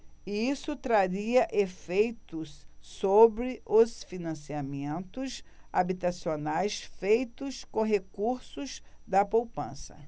isso traria efeitos sobre os financiamentos habitacionais feitos com recursos da poupança